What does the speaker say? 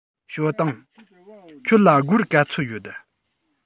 ཞའོ ཏུང ཁྱོད ལ སྒོར ག ཚོད ཡོད